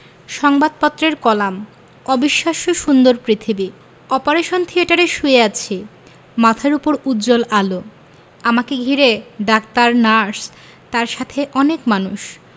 সংবাদপত্রের কলাম অবিশ্বাস্য সুন্দর পৃথিবী অপারেশন থিয়েটারে শুয়ে আছি মাথার ওপর উজ্জ্বল আলো আমাকে ঘিরে ডাক্তার নার্স তার সাথে অনেক মানুষ